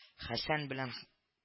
Хәсән белән